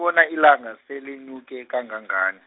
bona ilanga selenyuke kangangani.